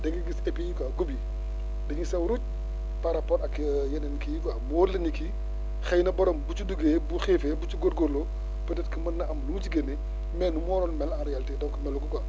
da ngay gis épis yi quoi gudd yi dañuy sew ruuc par rapport ak yeneen kii yi quoi mu wóor la ne kii xëy na borom bu ci duggee bu xiifee bu ci góorgóorloo peut être que mën na am lu mu ci génnee mais ni mu war a mel en réalité donc melu ko quoi